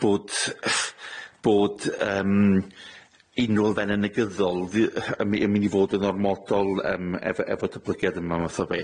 bod bod yym unrw elfenne yn negyddol fu- yy yn my- yn myn' i fod yn ormodol yym ef- efo dablygiad yma math o beth.